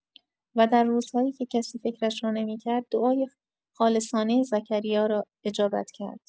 و در روزهایی که کسی فکرش را نمی‌کرد، دعای خالصانه زکریا را اجابت کرد.